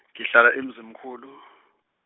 ngihlala eMzimkhulu.